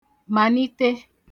mànite